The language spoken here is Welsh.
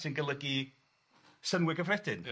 ...sy'n golygu synnwyr cyffredin... Ia.